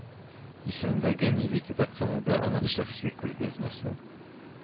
Исемендәге милли китапханәдә аның шәхси күргәзмәсе